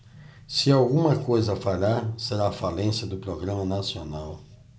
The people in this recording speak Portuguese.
se alguma coisa falhar será a falência do programa nacional